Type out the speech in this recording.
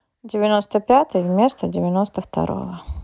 девяносто пятый вместо девяносто второго